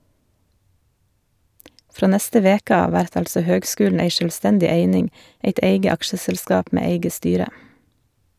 Frå neste veke av vert altså høgskulen ei sjølvstendig eining, eit eige aksjeselskap med eige styre.